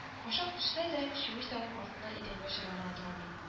Кашык төшсә дә, чүмеч тә аның артыннан идәнгә очарга гына тора бит